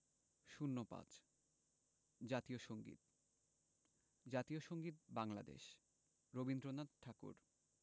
০৫ জাতীয় সংগীত জাতীয় সংগীত বাংলাদেশ রবীন্দ্রনাথ ঠাকুর